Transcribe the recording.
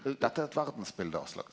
dette er eit verdsbilde Aslak.